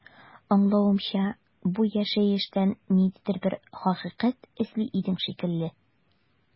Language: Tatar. Аңлавымча, бу яшәештән ниндидер бер хакыйкать эзли идең шикелле.